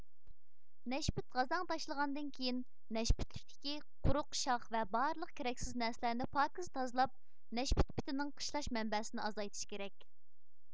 نەشپۈت غازاڭ تاشلىغاندىن كېيىن نەشپۈتلۈكتىكى قۇرۇق شاخ ۋە بارلىق كېرەكسىز نەرسىلەرنى پاكىز تازىلاپ نەشپۈت پىتىنىڭ قىشلاش مەنبەسىنى ئازايتىش كېرەك